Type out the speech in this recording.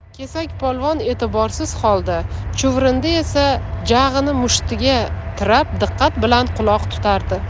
kesakpolvon e'tiborsiz holda chuvrindi esa jag'ini mushtiga tirab diqqat bilan quloq tutardi